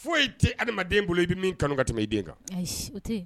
Foyi ye tɛ adamaden bolo i bɛ min kanu ka tɛmɛ i den kan